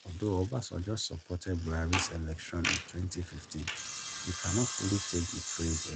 Although Obasanjo supported Buhari’s election in 2015, he cannot fully take the praise alone.